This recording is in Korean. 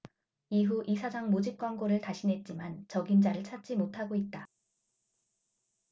이후 이사장 모집 공고를 다시 냈지만 적임자를 찾지 못하고 있다